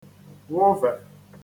wụvè